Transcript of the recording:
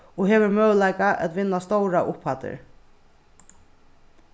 og hevur møguleika at vinna stórar upphæddir